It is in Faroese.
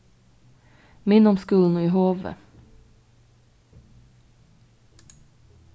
miðnámsskúlin í hovi